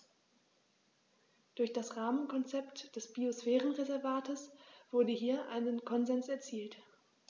Durch das Rahmenkonzept des Biosphärenreservates wurde hier ein Konsens erzielt.